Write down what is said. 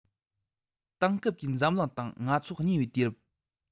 དེང སྐབས ཀྱི འཛམ གླིང དང ང ཚོ གནས པའི དུས རབས